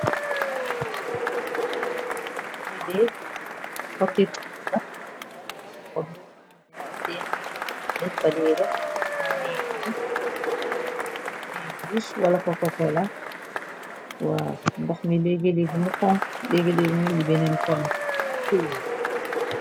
Leedee xotik pot la pot bo xamante labdee am den fadeera naneekaay yun koy oyé joos wala ko ko kola wa ndox mi leegeleegu mu xong leegeleegumuy di beneen koon xulur .